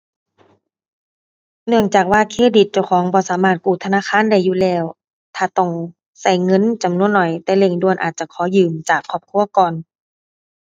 เนื่องจากว่าเครดิตเจ้าของบ่สามารถกู้ธนาคารได้อยู่แล้ว ถ้าต้องใช้เงินจำนวนน้อยแต่เร่งด่วน อาจจะขอยืมจากครอบครัวก่อน